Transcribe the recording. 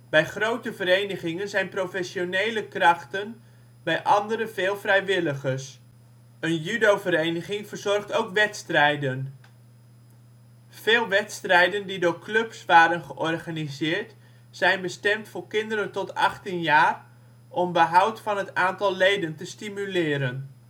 Bij grote verenigingen zijn professionele krachten bij andere veel vrijwilligers. Een judovereniging verzorgt ook wedstrijden. Veel wedstrijden die door clubs waren georganiseerd zijn bestemd voor kinderen tot 18 jaar om behoud van het aantal leden te stimuleren